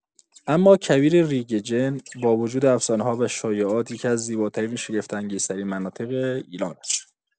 اما کویر ریگ جن، با وجود افسانه‌ها و شایعات، یکی‌از زیباترین و شگفت‌انگیزترین مناطق ایران است.